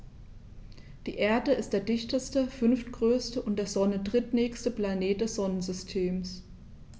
Die Erde ist der dichteste, fünftgrößte und der Sonne drittnächste Planet des Sonnensystems.